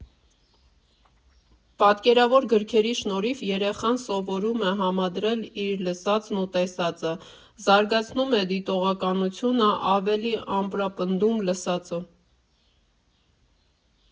Պատկերավոր գրքերի շնորհիվ երեխան սովորում է համադրել իր լսածն ու տեսածը, զարգացնում է դիտողականությունը, ավելի ամրապնդում լսածը։